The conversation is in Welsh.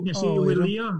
O, nes i wylio.